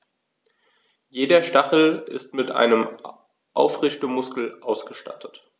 Jeder Stachel ist mit einem Aufrichtemuskel ausgestattet.